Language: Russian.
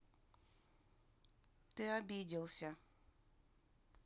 ты обиделся